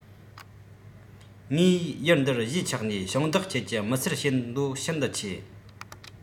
ངས ཡུལ འདིར གཞིས ཆགས ནས ཞིང བདག ཁྱེད ཀྱི མི སེར བྱེད འདོད ཤིན ཏུ ཆེ